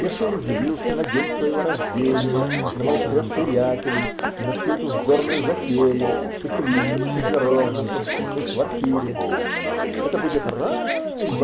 Я шел и злился на день своего рождения, на моих трех приятелей и на всю эту вздорную затею -- поселиться вчетвером на собственной квартире. -- Это будет рай!